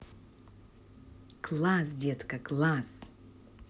класс детка класс